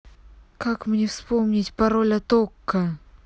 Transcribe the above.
как мне вспомнить пароль от окко